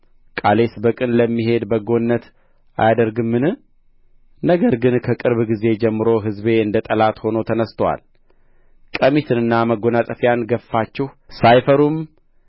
ቃሌስ በቅን ለሚሄድ በጎነት አያደርግምን ነገር ግን ከቅርብ ጊዜ ጀምሮ ሕዝቤ እንደ ጠላት ሆኖ ተነሥቶአል ቀሚስንና መጐናጸፊያን ገፈፋችሁ ሳይፈሩም